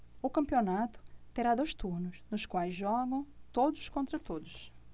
o campeonato terá dois turnos nos quais jogam todos contra todos